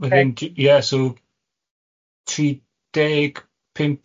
wedyn t- ie so, tri deg pump